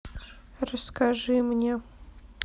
расскажи мне